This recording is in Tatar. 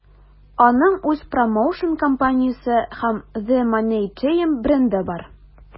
Аның үз промоушн-компаниясе һәм The Money Team бренды бар.